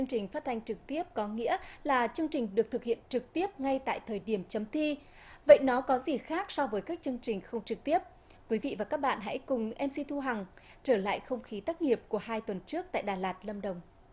chương trình phát thanh trực tiếp có nghĩa là chương trình được thực hiện trực tiếp ngay tại thời điểm chấm thi vậy nó có gì khác so với các chương trình không trực tiếp quý vị và các bạn hãy cùng em xi thu hằng trở lại không khí tác nghiệp của hai tuần trước tại đà lạt lâm đồng